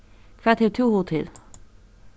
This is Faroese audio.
hvat hevur tú hug til